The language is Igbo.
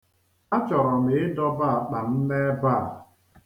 A chọrọ m ịdọba akpa m n'ebe a.